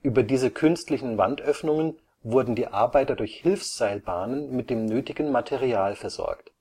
Über diese künstlichen Wandöffnungen wurden die Arbeiter durch Hilfsseilbahnen mit dem nötigen Material versorgt